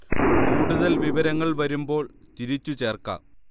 കൂടുതൽ വിവരങ്ങൾ വരുമ്പോൾ തിരിച്ചു ചേർക്കാം